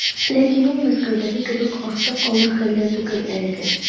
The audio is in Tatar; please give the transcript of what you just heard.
Ләкин ул Мәскәүдәге кебек артык авыр хәлдә түгел әлегә.